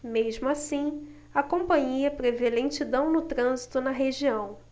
mesmo assim a companhia prevê lentidão no trânsito na região